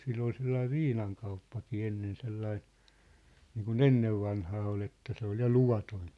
sillä oli sellainen viinakauppakin ennen sellainen niin kuin ennen vanhaan oli että se oli ja luvaton